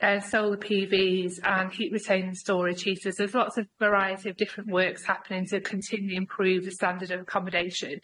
uh solar Pee Vees and heat retaining storage heaters so there's lots of variety of different works happening to continue improve the standard of accommodation.